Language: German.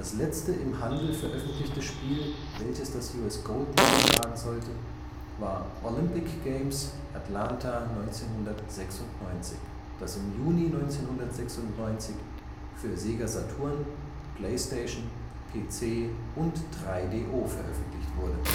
letzte im Handel veröffentlichte Spiel, welches das U.S.-Gold-Logo tragen sollte, war Olympic Games: Atlanta 1996, das im Juni 1996 für Sega Saturn, PlayStation, PC und 3DO veröffentlicht wurde